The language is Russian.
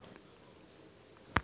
сумерки сага рассвет вторая часть